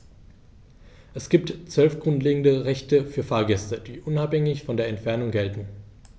Es gibt 12 grundlegende Rechte für Fahrgäste, die unabhängig von der Entfernung gelten.